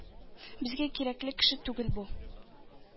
«безгә кирәкле кеше түгел бу!»